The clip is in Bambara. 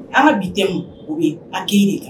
Ala bi te o bɛ a k de ta